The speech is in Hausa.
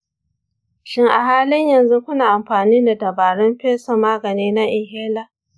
shin a halin yanzu kuna amfani da dabarun fesa magani na inhaler?